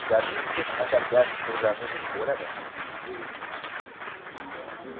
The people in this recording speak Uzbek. zamin deb atalgan kurramiz o'ladi